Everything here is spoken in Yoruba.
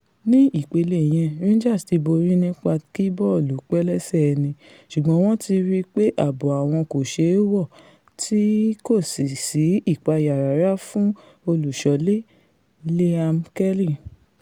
Ní ipele yẹn, Rangers ti borí nípa kí bọ́ọ̀lù pẹ́ lẹ́sẹ̀ ẹni sùgbọ́n wọ́n ti rí i pé ààbò àwọn onile kòṣeé wọ tí kòsí sí ìpayá rárá fún olùṣọ́lé Liam Kelly.